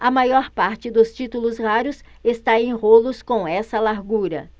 a maior parte dos títulos raros está em rolos com essa largura